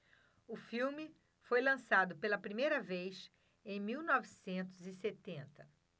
o filme foi lançado pela primeira vez em mil novecentos e setenta